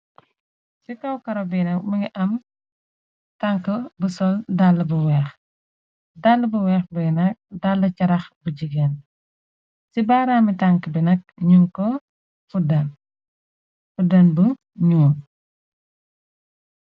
Si kaw karobi nak mi ngi am tankk bu sol daala bu weex, daala bu weex bi nak daala carax bu jigéen, ci baaraami tank bi nak ñuñ ko fuddan, fuddan bu ñuul.